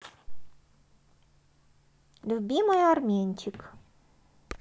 любимая armenchik